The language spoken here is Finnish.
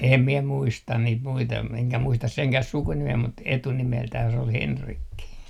en minä muista niitä muita enkä muista senkään sukunimeä mutta etunimeltään se oli Henrikki